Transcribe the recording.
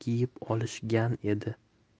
kiyib olishgan edi